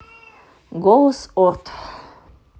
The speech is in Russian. голос орт